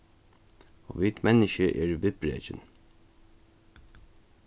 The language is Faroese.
og vit menniskju eru viðbrekin